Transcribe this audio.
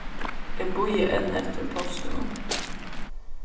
eg bíði enn eftir postinum